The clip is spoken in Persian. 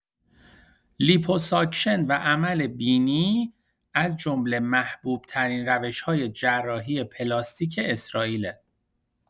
لیپوساکشن و عمل بینی از جمله محبوب‌ترین روش‌های جراحی پلاستیک اسرائیله